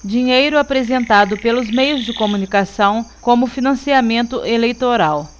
dinheiro apresentado pelos meios de comunicação como financiamento eleitoral